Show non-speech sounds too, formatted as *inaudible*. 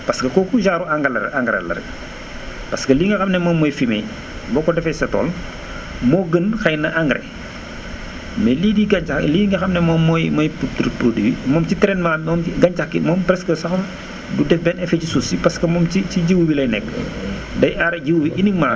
parce que kooku genre ru engrais engrais la rek *noise* parce que li nga xam ne moom mooy fumier boo ko defee sa tool *noise* moo gën xëy na engrais *noise* mais lii di gàncax lii nga xam ne moom mooy mooy produit moom ci traitement am moom gàncax gi moom presque sax *noise* du def benn effet ci suuf si parce que moom ci ci jiwu bi lay nekk *noise* day aar jiwu bi uniquement